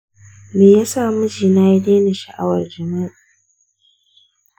me yasa mijina ya daina sha’awar jima’i?